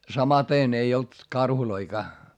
samaten ei ollut karhujakaan